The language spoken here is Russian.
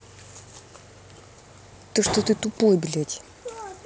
то что ты тупой блядь